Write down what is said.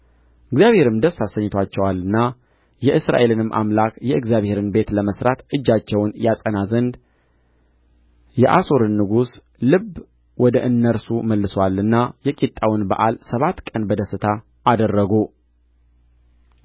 እግዚአብሔር ደስ አሰኝቶአቸዋልና የእስራኤልንም አምላክ የእግዚአብሔርን ቤት ለመሥራት እጃቸውን ያጸና ዘንድ የአሦርን ንጉሥ ልብ ወደ እነርሱ መልሶአልና የቂጣውን በዓል ሰባት ቀን በደስታ አደረጉ